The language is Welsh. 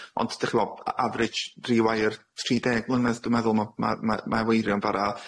Ond de ch'm'o, a- average rewire, tri deg mlynedd dw' meddwl ma' ma' ma' ma' ailweirio'n bara.